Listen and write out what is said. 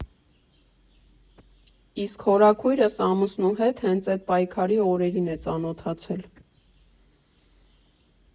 Իսկ հորաքույրս ամուսնու հետ հենց էդ պայքարի օրերին է ծանոթացել։